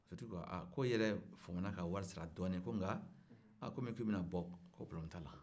sotigi ko i yɛrɛ famana ka wari sara dɔɔnin ko nka kɔmi i bɛna bɔ ko pɔrɔbilɛmu t'a la